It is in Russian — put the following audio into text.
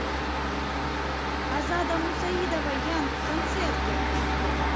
азада мусаидова young концерты